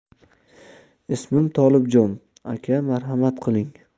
ismim tolibjon aka marhamat qiling